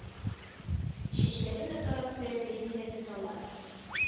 Чәчләрен дә тарап үрә белмиләр бит алар...